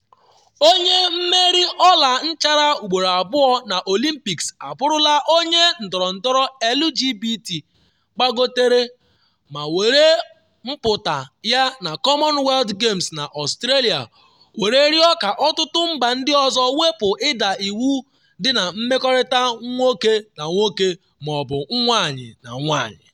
Onye mmeri ọla nchara ugboro abụọ na Olympics abụrụla onye ndọrọndọrọ LGBT gbagotere, ma were mpụta ya na Commonwealth Games na Australia were rịọ ka ọtụtụ mba ndị ọzọ wepu ịda iwu dị na mmekọrịta nwoke na nwoke ma ọ bụ nwanyị na nwanyị.